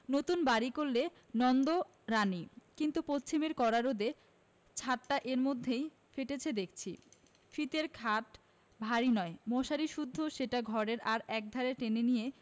নতুন বাড়ি করলে নন্দরানী কিন্তু পশ্চিমের কড়া রোদে ছাতটা এর মধ্যেই ফেটেচে দেখচি ফিতের খাট ভারী নয় মশারি সুদ্ধ সেটা ঘরের আর একধারে টেনে নিয়ে